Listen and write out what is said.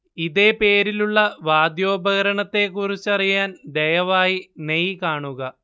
ഇതേ പേരിലുള്ള വാദ്യോപകരണത്തെക്കുറിച്ചറിയാൻ ദയവായി നെയ് കാണുക